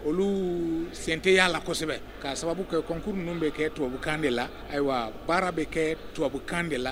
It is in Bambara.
Olu sente yya' la kosɛbɛ ka sababu kɛ kɔnkuruurun ninnu bɛ kɛ tubabubukan de la ayiwa baara bɛ kɛ tubabubukan de la